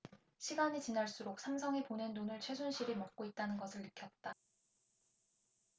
시간이 지날수록 삼성이 보낸 돈을 최순실이 먹고 있다는 것을 느꼈다